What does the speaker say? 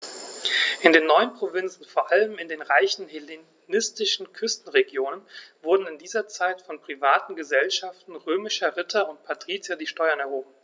In den neuen Provinzen, vor allem in den reichen hellenistischen Küstenregionen, wurden in dieser Zeit von privaten „Gesellschaften“ römischer Ritter und Patrizier die Steuern erhoben.